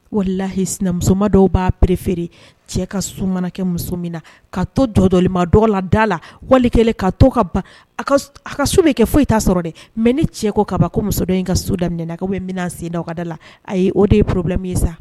Walihi sina musoma dɔw b'a perefeere cɛ ka su manakɛ muso min na ka to jɔ dɔli ma dɔgɔ la da la wali ka to ka ban a ka so min kɛ foyi t' sɔrɔ dɛ mɛ ni cɛ ko ka ko musoden in ka so daminɛnakaw bɛ minɛn senda aw kada la ayi o de ye pbi min ye sa